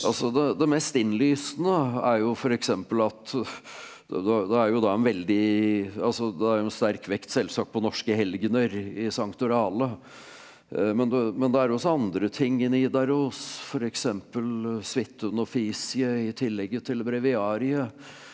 altså det det mest innlysende er jo f.eks. at da det er jo da en veldig altså det er jo en sterk vekt selvsagt på norske helgener i Sanktorale men det men det er også andre ting i Nidaros f.eks. Swithun i tillegg til breviariet.